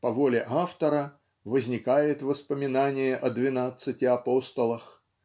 по воле автора, возникает воспоминание о двенадцати апостолах.